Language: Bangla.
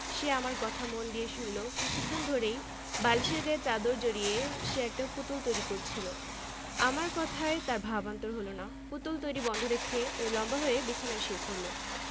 আমি বুঝতে পারছি রাবেয়া নিশ্চয়ই কথাগুলি বাইরে কোথাও শুনে এসেছে কিন্তু রাবেয়াকে যার বয়স গত আগস্ট মাসে বাইশ হয়েছে তাকে সরাসরি এমন একটি কদৰ্য কথা